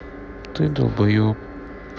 ты долбоеб